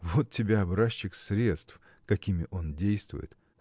вот тебе образчик средств, какими он действует.